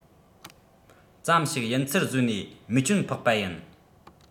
ཙམ ཞིག ཡིན ཚུལ བཟོས ནས རྨས སྐྱོན ཕོག པ ཡིན